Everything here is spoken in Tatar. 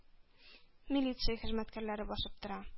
Милиция хезмәткәрләре басып тора.